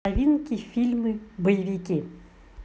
новинки фильмы боевики